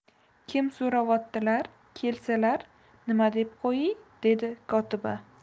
kim so'ravotdilar kelsalar nima deb qo'yiy dedi kotiba